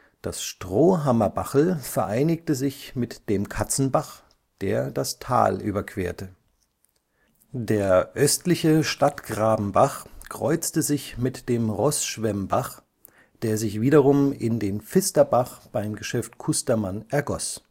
Das Strohhammerbachl vereinigte sich mit dem Katzenbach, der das Tal überquerte. Der östliche Stadtgrabenbach kreuzte sich mit dem Roßschwemmbach, der sich wiederum in den Pfisterbach (beim Geschäft Kustermann) ergoss